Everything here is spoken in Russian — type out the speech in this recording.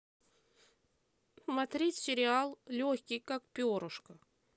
смотреть сериал легкий как перышко